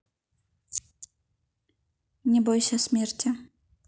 не бойся смерти